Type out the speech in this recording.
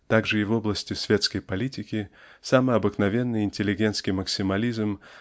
Также и в области светской политики самый обыкновенный интеллигентский максимализм